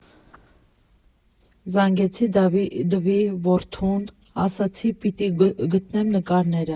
Զանգեցի Դավիդովի որդուն՝ ասացի պիտի գտնեմ նկարները։